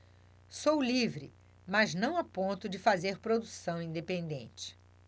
sou livre mas não a ponto de fazer produção independente